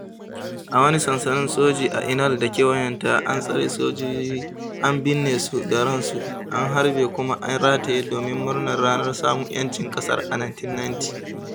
A wani sansanin soji a Inal da kewayenta, an tsare sojoji an binne su da ransu, an harbe kuma an rataye domin murnar ranar samun 'yancin ƙasar a 1990.